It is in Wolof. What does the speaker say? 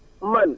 man